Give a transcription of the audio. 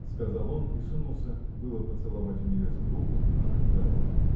— сказал он и сунулся было поцеловать у невесты руку, но она не дала.